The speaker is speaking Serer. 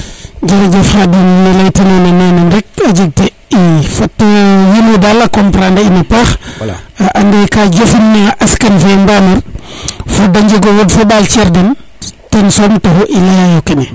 jërëref khadim ne ley ta nona rek a jeg te fat wiin we dal a comprendre a in a paax a ande ka jofina a askan fe mbamir fo de njego yo wod fo ɓal cer den ten soom taxu i leya yo kene